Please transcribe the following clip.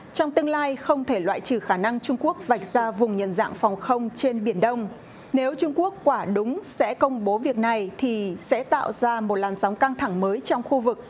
trong tương lai không thể loại trừ khả năng trung quốc vạch ra vùng nhận dạng phòng không trên biển đông nếu trung quốc quả đúng sẽ công bố việc này thì sẽ tạo ra một làn sóng căng thẳng mới trong khu vực